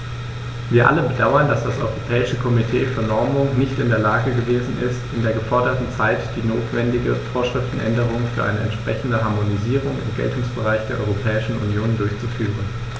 Wir alle bedauern, dass das Europäische Komitee für Normung nicht in der Lage gewesen ist, in der geforderten Zeit die notwendige Vorschriftenänderung für eine entsprechende Harmonisierung im Geltungsbereich der Europäischen Union durchzuführen.